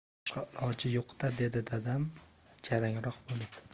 boshqa iloji yo'q da dedi dadam tajangroq bo'lib